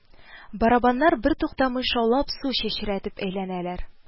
Барабаннар бертуктамый шаулап су чәчрәтеп әйләнәләр